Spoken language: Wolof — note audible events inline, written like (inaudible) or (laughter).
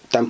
(hesitation) (hesitation)